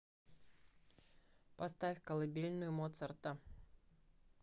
поставь колыбельную моцарта